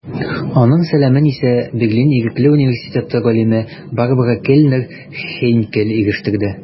Аның сәламен исә Берлин Ирекле университеты галиме Барбара Кельнер-Хейнкель ирештерде.